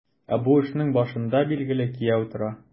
Ә бу эшнең башында, билгеле, кияү тора.